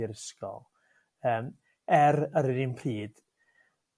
i'r ysgol. Yym. Er ar yr un pryd